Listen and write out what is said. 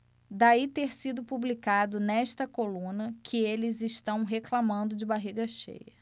daí ter sido publicado nesta coluna que eles reclamando de barriga cheia